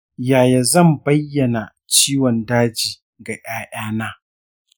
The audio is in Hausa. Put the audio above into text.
yaya zan bayyana ciwon daji ga ’ya’yana?